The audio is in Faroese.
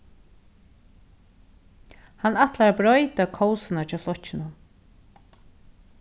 hann ætlar at broyta kósina hjá flokkinum